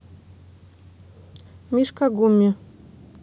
мишка гумми